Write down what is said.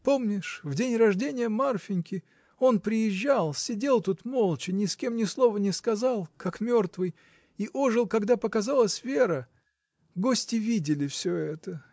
Помнишь, в день рождения Марфиньки — он приезжал, сидел тут молча, ни с кем ни слова не сказал, как мертвый, и ожил, когда показалась Вера? Гости видели всё это.